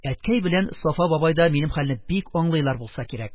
Әткәй белән Сафа бабай да минем хәлне бик аңлыйлар булса кирәк.